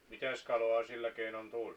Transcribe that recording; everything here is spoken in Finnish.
mitäs kalaa sillä keinon tuli